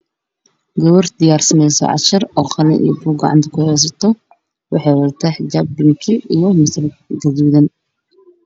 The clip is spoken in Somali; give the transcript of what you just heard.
Gabar siyaarsanayso cashir oo qalin ka canta ku heyso wxey watada xijaab binki io saagu gaduuban